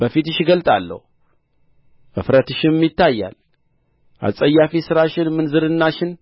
በፊትሽ እገልጣለሁ እፍረትሽም ይታያል አስጸያፊ ሥራሽን ምንዝርናሽን